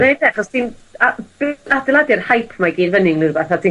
neud e achos dim a- be- adeiladu'r hype 'ma i gyd fyny ne' rwbeth a ti'n